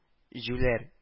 Җүләр